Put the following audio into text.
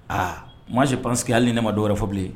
Aa moi je pense que hali ni ne ma dɔ wɛrɛ fɔ bilen